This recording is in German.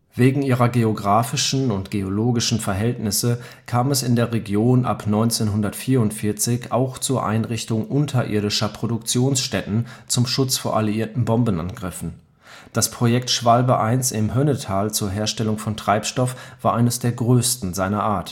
Wegen ihrer geographischen und geologischen Verhältnisse kam es in der Region ab 1944 auch zur Einrichtung unterirdischer Produktionsstätten zum Schutz vor alliierten Bombenangriffen. Das Projekt Schwalbe I im Hönnetal zur Herstellung von Treibstoff war eines der größten seiner Art.